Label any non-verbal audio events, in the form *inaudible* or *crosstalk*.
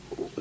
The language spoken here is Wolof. *hesitation* *hesitation*